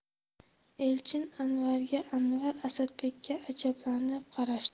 elchin anvarga anvar asadbekka ajablanib qarashdi